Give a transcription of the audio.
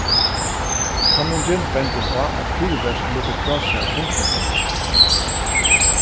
kanningin bendir á at fýrverk letur frá sær tungmetal